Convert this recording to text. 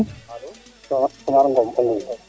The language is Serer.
Sonar Ngom